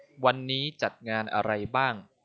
วันนี้จัดงานอะไรบ้าง